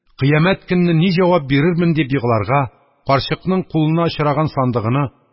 Кыямәт көнне ни җавап бирермен?! – дип егларга, карчыкның кулына очраган сандыгыны,